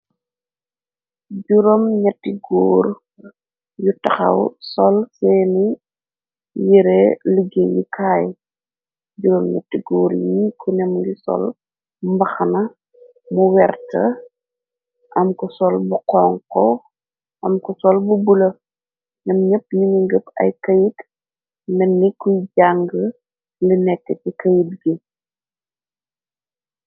Jrom e guur yu taxaw sol seeni yire liggé gi kaay 7 gur y ku nam ngi sol mbaxana mu werta am ko sol bu xong ko am ko sol bu bulef nam ñepp ñu ni ngëpp ay këyit nenni kuy jàng li nekk ci këyit gi.